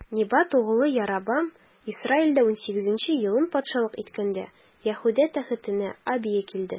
Небат углы Яробам Исраилдә унсигезенче елын патшалык иткәндә, Яһүдә тәхетенә Абия килде.